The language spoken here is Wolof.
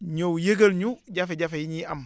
ñëw yëgal ñu jafe-jafe yi ñuy am